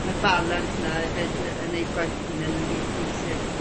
ma'r balans 'ne efyd yy yn neud gwaith 'ych hunen yn rili bwysig.